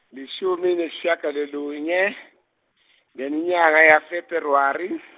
leshumi nesishiyagalolunye ngenyanga ya February.